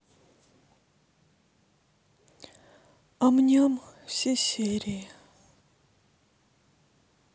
амням все серии